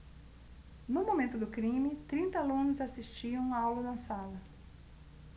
no momento do crime trinta alunos assistiam aula na sala